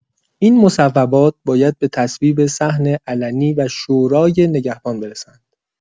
این مصوبات باید به تصویب صحن علنی و شورای نگهبان برسند.